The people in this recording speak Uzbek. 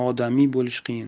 odamiy bo'lish qiyin